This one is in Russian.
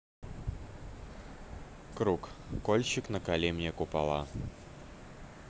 круг кольщик наколи мне купола